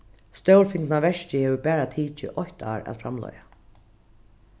stórfingna verkið hevur bara tikið eitt ár at framleiða